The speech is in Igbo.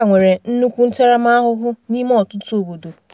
A ka nwere nukwu ntarama ahụhụ n'ime ọtụtụ obodo.